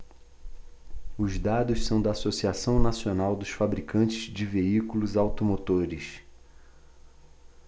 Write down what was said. os dados são da anfavea associação nacional dos fabricantes de veículos automotores